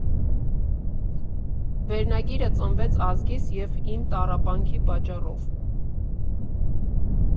Վերնագիրը ծնվեց ազգիս և իմ տառապանքի պատճառով։